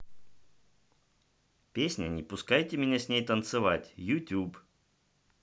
песня не пускайте меня с ней танцевать youtube